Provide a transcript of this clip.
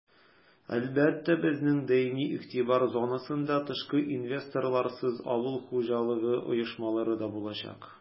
Әлбәттә, безнең даими игътибар зонасында тышкы инвесторларсыз авыл хуҗалыгы оешмалары да булачак.